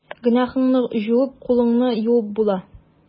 Гөнаһыңны җуеп, кулыңны юып була.